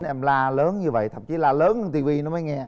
em la lớn như vậy thậm chí la lớn hơn ti vi nó mới nghe